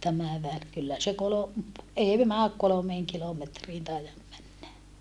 tämä väli kyllä se - ei mene kolmeen kilometriin taida mennä